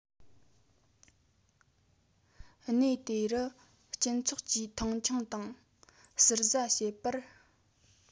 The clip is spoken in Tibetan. གནས དེ རུ སྤྱི ཚོགས ཀྱི མཐོང ཆུང དང ཟུར ཟ བྱེད པར